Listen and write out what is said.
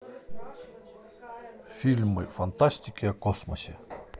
фильмы фантастики о космосе